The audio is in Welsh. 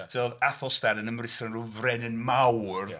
So, oedd Æthelstan yn ymritho yn rhyw frenin mawr.